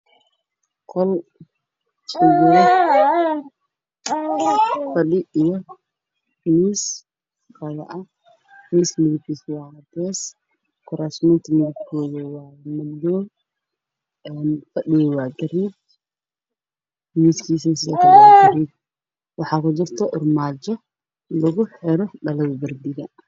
Halkaan waxaa ka muuqdo miis cadays iyo kuraastooda oo madaw ah